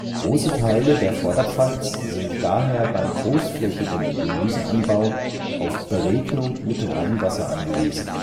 Große Teile der Vorderpfalz sind daher beim großflächigen Gemüseanbau auf Beregnung mit Rheinwasser angewiesen